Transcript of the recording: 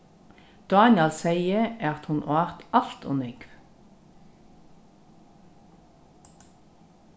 dánjal segði at hon át alt ov nógv